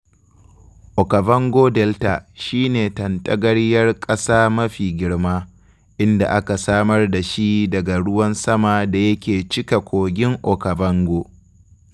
Okavango Delta shi ne tantagaryar ƙasa mafi girma, inda aka samar da shi daga ruwan saman da yake cika kogin Okavango.